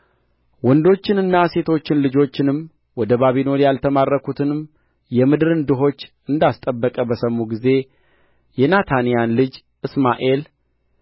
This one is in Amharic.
ወንዶችንና ሴቶችን ልጆችንም ወደ ባቢሎን ያልተማረኩትን የምድርን ድሆች እንዳስጠበቀ በሰሙ ጊዜ የናታንያ ልጅ እስማኤል